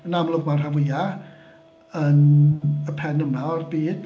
Yn amlwg mae'r rhan fwyaf yn y pen yma o'r byd